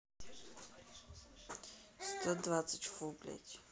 сто двадцать фу блять